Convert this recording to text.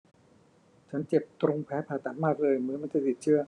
ฉันเจ็บตรงแผลผ่าตัดมากเลยเหมือนมันจะติดเชื้อเลย